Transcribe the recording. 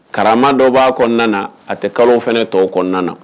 Karama dɔ b'a kɔɔna na a tɛ kalow fɛnɛ tɔw kɔɔna na